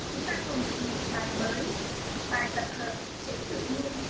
chúng ta cùng tìm hiểu bài mới bài tập hợp số tự nhiên